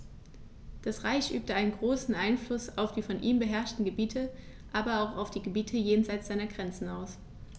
Das Reich übte einen großen Einfluss auf die von ihm beherrschten Gebiete, aber auch auf die Gebiete jenseits seiner Grenzen aus.